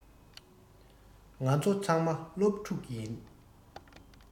ང ཚོ ཚང མ སློབ ཕྲུག ཡིན